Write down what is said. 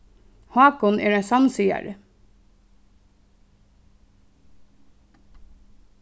hákun er ein sannsigari